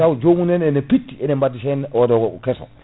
taw jomum en ene pitti ene mbaɗi hen oɗo kesso